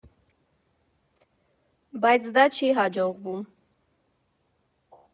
Բայց դա չի հաջողվում։